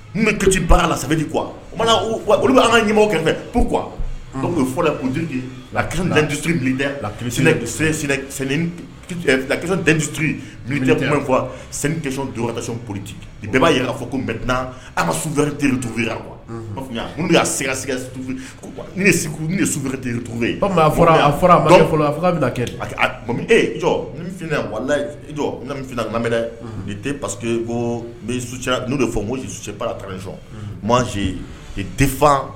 N la olu an ka ɲɛ dɛ polite bɛɛ b'a jira'a fɔ ko mɛ an ka su tu y' s su tu ye bɛna kɛme pa ko n su n'o de fɔ sɔnse fan